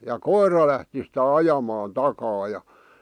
ja koira lähti sitä ajamaan takaa ja